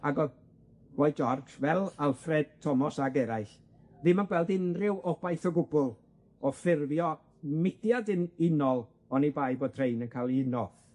Ac o'dd Lloyd George, fel Alfred Thomas ag eraill, ddim yn gweld unryw obaith o gwbwl o ffurfio mudiad un- unol oni bai bod rhein yn ca'l 'u uno.